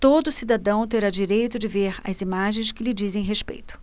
todo cidadão terá direito de ver as imagens que lhe dizem respeito